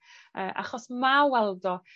Yy achos ma' Waldo